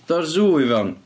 Dora'r sŵ i fewn.